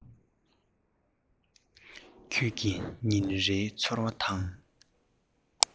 ཁྱོད ཀྱི ཉིན རེའི ཚོར བ དང